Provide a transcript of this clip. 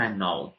presennol